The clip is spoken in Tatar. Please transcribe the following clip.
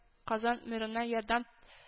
Казан мэрына “Ярдәм”